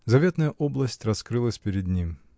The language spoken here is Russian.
Заветная область раскрылась перед ним.